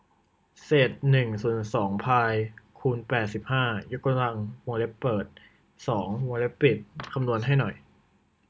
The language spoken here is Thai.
เศษหนึ่งส่วนสองพายคูณแปดสิบห้ายกกำลังวงเล็บเปิดสองวงเล็บปิดคำนวณให้หน่อย